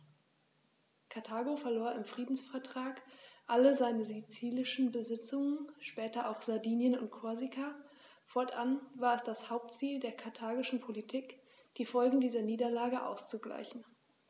Karthago verlor im Friedensvertrag alle seine sizilischen Besitzungen (später auch Sardinien und Korsika); fortan war es das Hauptziel der karthagischen Politik, die Folgen dieser Niederlage auszugleichen.